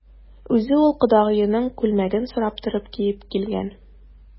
Үзе ул кодагыеның күлмәген сорап торып киеп килгән.